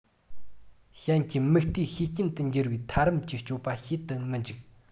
ཞན གྱི མིག ལྟོས ཤས རྐྱེན དུ འགྱུར བའི ཐ རམ གྱི སྤྱོད པ བྱེད དུ མི འཇུག